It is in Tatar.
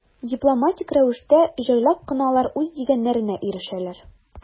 Дипломатик рәвештә, җайлап кына алар үз дигәннәренә ирешәләр.